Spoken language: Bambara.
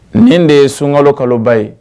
Nin de ye sunka kaloba ye